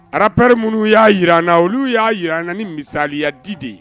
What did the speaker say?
Rapɛre minnu y'a jirar na olu y'a jiraran na ni misaliyadi de ye